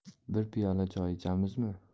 bir piyola choy ichamizmi